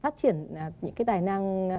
phát triển những cái tài năng